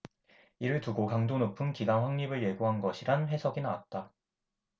이를 두고 강도 높은 기강 확립을 예고한 것이란 해석이 나왔다